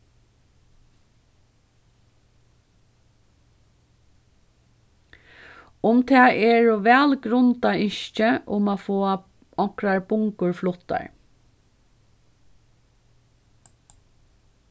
um tað eru væl grundað ynski um at fáa onkrar bungur fluttar